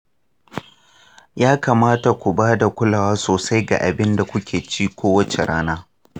ya kamata ku ba da kulawa sosai ga abin da kuke ci kowace rana.